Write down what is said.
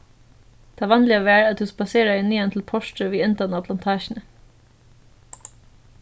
tað vanliga var at tú spaseraði niðan til portrið við endan á plantasjuni